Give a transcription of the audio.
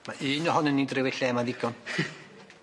Ma' un ohonon ni'n drewi'r lle ma'n ddigon.